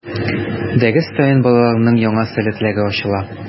Дәрес саен балаларның яңа сәләтләре ачыла.